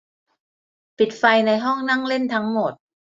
ปิดไฟในห้องนั่งเล่นทั้งหมด